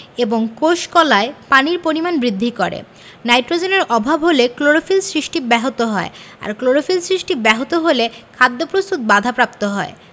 এবং কোষ কলায় পানির পরিমাণ বৃদ্ধি করে নাইট্রোজেনের অভাব হলে ক্লোরোফিল সৃষ্টি ব্যাহত হয় আর ক্লোরোফিল সৃষ্টি ব্যাহত হলে খাদ্য প্রস্তুত বাধাপ্রাপ্ত হয়